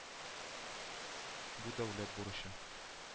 Бу - дәүләт бурычы